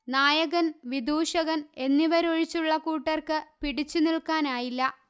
നായകന് വിദൂഷകന് എന്നിവരൊഴിച്ചുള്ള കൂട്ടര്ക്ക് പിടിച്ചു നില്ക്കാനായില്ല